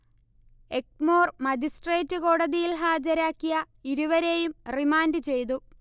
Egmore magistrate കോടതിയിൽ ഹാജരാക്കിയ ഇരുവരെയും റിമാൻഡ് ചെയ്തു